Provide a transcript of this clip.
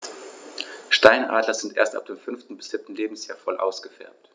Steinadler sind erst ab dem 5. bis 7. Lebensjahr voll ausgefärbt.